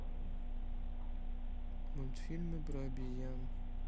мультфильмы про обезьян